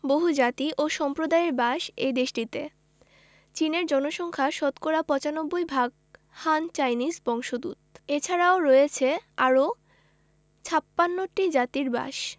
বহুজাতি ও সম্প্রদায়ের বাস এ দেশটিতে চীনের জনসংখ্যা শতকরা ৯৫ ভাগ হান চাইনিজ বংশোদূত এছারাও রয়েছে আরও ৫৬ টি জাতির বাস